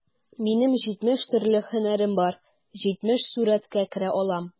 Минем җитмеш төрле һөнәрем бар, җитмеш сурәткә керә алам...